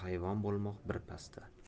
hayvon bo'lmoq bir pasda